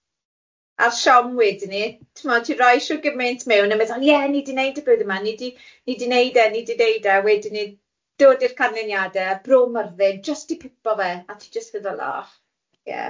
Ar siom wedyn ni, t'mod ti roi shwd gyment mewn a meddwl ie ni di neud e blwyddyn ma ni di ni di neud e ni di deud e a wedyn ni'n dod i'r canlyniade Bro Myrddin jyst di cipo fe a ti jyst feddwl o. Ie.